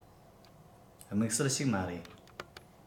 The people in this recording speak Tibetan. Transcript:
དམིགས བསལ ཞིག མ རེད